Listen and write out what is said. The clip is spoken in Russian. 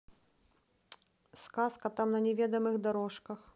сказка там на неведомых дорожках